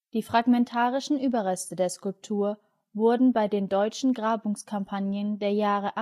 Die fragmentarischen Überreste der Skulptur wurden bei den deutschen Grabungskampagnen der Jahre